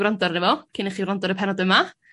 wrando arno fo cyn i chi rando ar y pennod yma.